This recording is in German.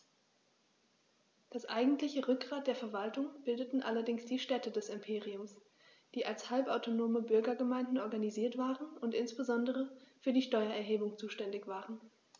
Das eigentliche Rückgrat der Verwaltung bildeten allerdings die Städte des Imperiums, die als halbautonome Bürgergemeinden organisiert waren und insbesondere für die Steuererhebung zuständig waren.